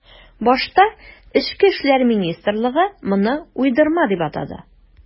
Башта эчке эшләр министрлыгы моны уйдырма дип атады.